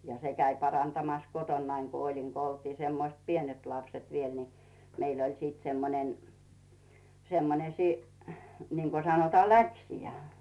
ja se kävi parantamassa kotonani kun olin kun oltiin semmoiset pienet lapset vielä niin meillä oli sitten semmoinen semmoinen niin kuin sanotaan läksijäin